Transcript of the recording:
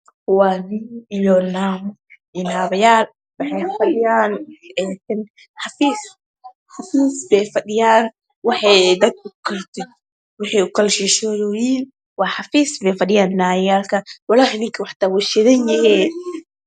Waa nin iyo naag yaal waxay fa dhiyaan xafiis Xafiis bay fa dhiyaan waxay ukala she sheegoyiin xafiis bay fa dhiyan naagyaalka walahi ninka xitaa wuu shidanyehe